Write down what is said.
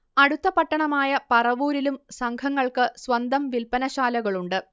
അടുത്ത പട്ടണമായ പറവൂരിലും സംഘങ്ങൾക്ക് സ്വന്തം വില്പനശാലകളുണ്ട്